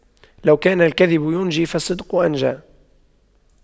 لو كان الكذب ينجي فالصدق أنجى